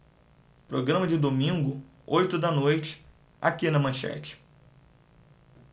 programa de domingo oito da noite aqui na manchete